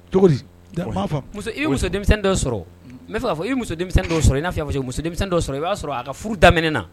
Cogo di? Dawu ma faamu. muso, I bɛ muso denmisɛnw dɔ sɔrɔ, n bɛ fɛ k'a fɔ : i bɛ muso denmisɛn dɔw sɔrɔ, i n'a fɔ i y'a fɔ cogo min, muso denmisɛn dɔ sɔrɔ, i b'a sɔrɔ a ka furu daminɛ.